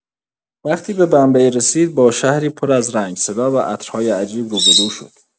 وقتی به بمبئی رسید، با شهری پر از رنگ، صدا و عطرهای عجیب روبه‌رو شد.